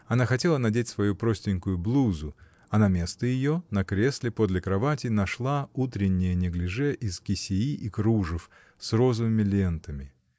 Она хотела надеть свою простенькую блузу, а наместо ее, на кресле подле кровати, нашла утреннее неглиже из кисеи и кружев с розовыми лентами.